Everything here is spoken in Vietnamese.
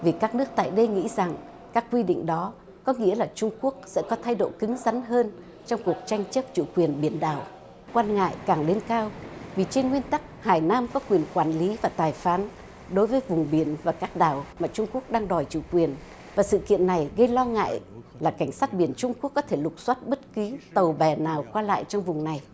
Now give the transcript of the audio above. việc các nước tại đây nghĩ rằng các quy định đó có nghĩa là trung quốc sẽ có thái độ cứng rắn hơn trong cuộc tranh chấp chủ quyền biển đảo quan ngại càng lên cao vì trên nguyên tắc hải nam có quyền quản lý và tài phán đối với vùng biển và các đảo mà trung quốc đang đòi chủ quyền và sự kiện này gây lo ngại là cảnh sát biển trung quốc có thể lục soát bất cứ tàu bè nào qua lại trong vùng này